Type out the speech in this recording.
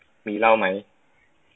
มีเหล้าไหม